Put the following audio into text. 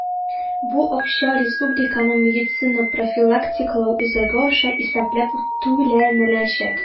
Бу акча Республиканың медицина профилактикалау үзәге аша исәпләп түләнеләчәк.